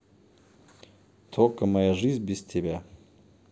okko моя жизнь без меня